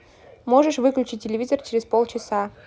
можешь выключить телевизор через полчаса